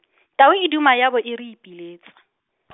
tau e duma e a bo e re ipeletsa .